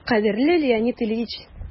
«кадерле леонид ильич!»